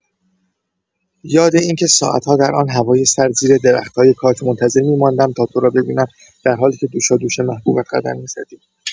یاد این که ساعت‌ها در آن هوای سرد زیر درخت‌های کاج منتظر می‌ماندم تا تو را ببینم در حالی که دوشادوش محبوبت قدم می‌زدی.